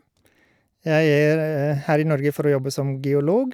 Jeg er her i Norge for å jobbe som geolog.